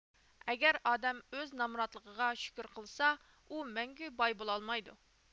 ئەگەر ئادەم ئۆز نامراتلىقىغا شۈكۈر قىلسا ئۇ مەڭگۈ باي بولالمايدۇ